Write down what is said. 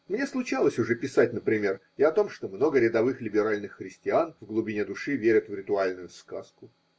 Мне случалось уже писать, например, и о том, что много рядовых либеральных христиан в глубине души верят в ритуальную сказку